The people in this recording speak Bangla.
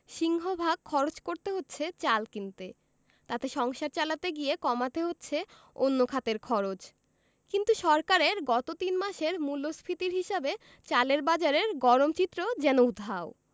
সিংহভাগ খরচ করতে হচ্ছে চাল কিনতে তাতে সংসার চালাতে গিয়ে কমাতে হচ্ছে অন্য খাতের খরচ কিন্তু সরকারের গত তিন মাসের মূল্যস্ফীতির হিসাবে চালের বাজারের গরম চিত্র যেন উধাও